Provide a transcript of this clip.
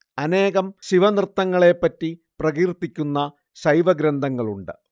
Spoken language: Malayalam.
അനേകം ശിവനൃത്തങ്ങളെപ്പറ്റി പ്രകീർത്തിക്കുന്ന ശൈവഗ്രന്ഥങ്ങളുണ്ട്